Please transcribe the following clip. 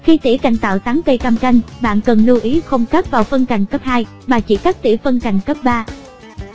khi tỉa cành tạo tán cây cam canh bạn cần lưu ý không cắt vào phân cành cấp mà chỉ cắt tỉa phân cành cấp